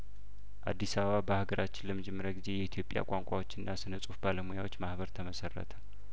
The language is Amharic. አዲስ አበባ በሀገራችን ለመጀመሪያ ጊዜ የኢትዮጵያ ቋንቋዎችና ስነ ጹሁፍ ባለሙያዎች ማህበር ተመሰረተ